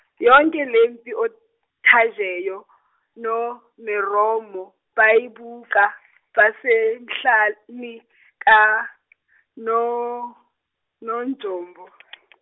yonke lempi oThajeyo noMeromo bayibuka basenhlani kaNo- Nonjombo.